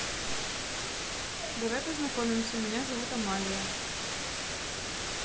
давай познакомимся меня зовут амалия